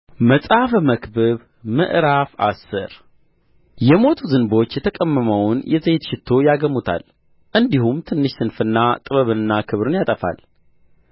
መጽሐፈ መክብብ ምዕራፍ አስር የሞቱ ዝንቦች የተቀመመውን የዘይት ሽቱ ያገሙታል እንዲሁም ትንሽ ስንፍና ጥበብንና ክብርን ያጠፋል